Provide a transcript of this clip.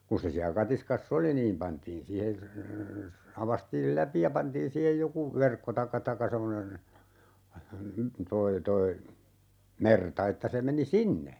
kun se siellä katiskassa oli niin pantiin siihen aukaistiin läpi ja pantiin siihen joku verkko tai tai semmoinen tuo tuo merta että se meni sinne